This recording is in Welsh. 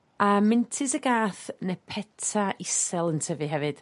a mintys y gath ne' peta isel yn tyfu hefyd.